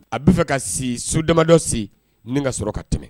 A bɛa fɛ ka se so damadɔ sigi ni ka sɔrɔ ka tɛmɛ